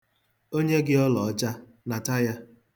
O nye gị ọlọọcha, nata ya.